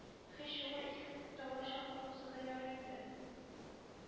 Һич югы Иске Күктауга чаклы булса да ярый инде.